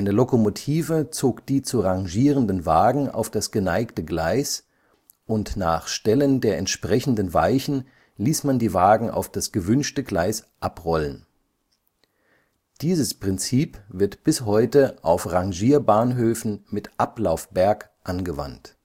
Lokomotive zog die zu rangierenden Wagen auf das geneigte Gleis und nach Stellen der entsprechenden Weichen ließ man die Wagen auf das gewünschte Gleis abrollen. Dieses Prinzip wird bis heute auf Rangierbahnhöfen mit Ablaufberg angewandt